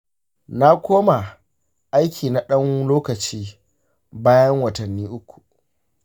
na koma aiki na ɗan lokaci bayan watanni uku.